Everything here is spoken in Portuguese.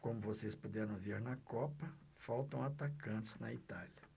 como vocês puderam ver na copa faltam atacantes na itália